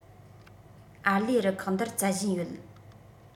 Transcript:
ཨར ལས རུ ཁག འདིར བཙལ བཞིན ཡོད